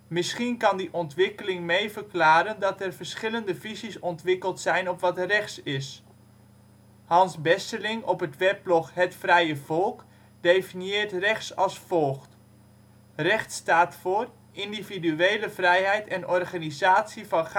Misschien kan die ontwikkeling mee verklaren dat er verschillende visies ontwikkeld zijn op wat rechts is. Hans Besseling op het weblog " Het Vrije Volk " definieert rechts als volgt: " Rechts staat voor: individuele vrijheid en organisatie van